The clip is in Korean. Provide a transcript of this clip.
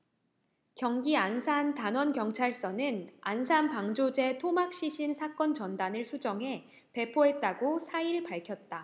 경기 안산단원경찰서는 안산 방조제 토막시신 사건 전단을 수정해 배포했다고 사 일 밝혔다